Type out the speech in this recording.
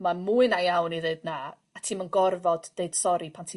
Ma' mwy na iawn i ddeud na at ti'm yn gorfod deud sori pan ti